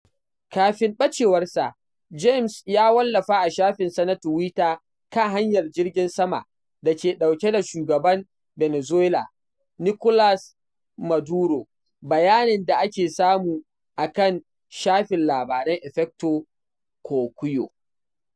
Kafin bacewarsa, Jaimes ya wallafa a shafin sa na tuwita kan hanyar jirgin sama da ke ɗauke da shugaban Venezuela Nicolas Maduro, bayanin da ake samu a kan shafin labaran Efecto Cocuyo.